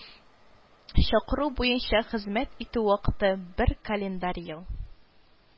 Чакыру буенча хезмәт итү вакыты бер календар ел